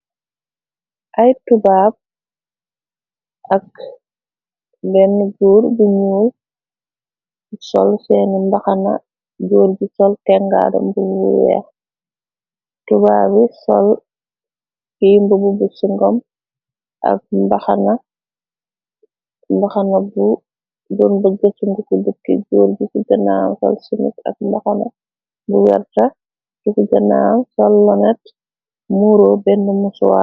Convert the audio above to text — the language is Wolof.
Ay tubaab ak benn jóur bu ñuul sol seeni mbaxana jóur. Gi sol kengaadam bumu weex tubaabi sol iimb bu busingom. Ak mbaxana budun bë jëcu ndiku dukki jóur ji fu ganaam fal simit. Ak mbaxana bu werta difu ganaam sol lonet muro benn musuwa.